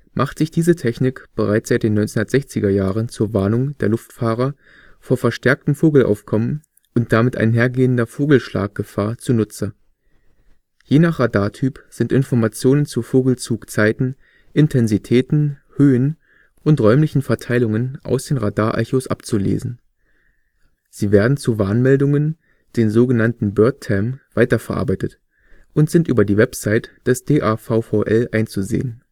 macht sich diese Technik bereits seit den 1960er-Jahren zur Warnung der Luftfahrer vor verstärktem Vogelaufkommen und damit einhergehender Vogelschlaggefahr zunutze. Je nach Radartyp sind Informationen zu Vogelzugzeiten, - intensitäten, - höhen und räumlichen Verteilungen aus den Radarechos abzulesen. Sie werden zu Warnmeldungen, den so genannten Birdtam, weiterverarbeitet und sind über die Website des DAVVL einzusehen